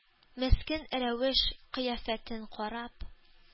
Мескен рәвеш-кыяфәтен карап,